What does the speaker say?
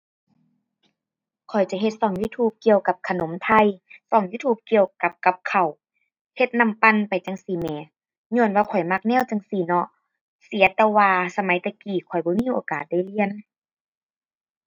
ข้อยจะเฮ็ดช่อง YouTube เกี่ยวกับขนมไทย ช่อง YouTube เกี่ยวกับกับข้าว เฮ็ดน้ำปั่นไปจั่งซี้แหม ญ้อนว่าข้อยมักแนวจั่งซี้เนาะ เสียแต่ว่าสมัยแต่กี้ข้อยบ่มีโอกาสได้เรียน